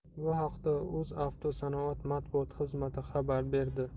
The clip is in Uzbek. bu haqda o'zavtosanoat matbuot xizmati xabar berdi